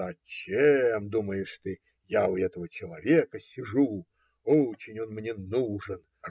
"Зачем, думаешь ты, я у этого человека сижу? Очень он мне нужен!